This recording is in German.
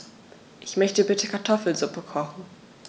Ich möchte bitte Kartoffelsuppe kochen.